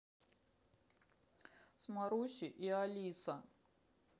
с марусей и алиса